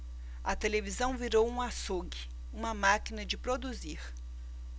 a televisão virou um açougue uma máquina de produzir